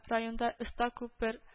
Районда оста күпер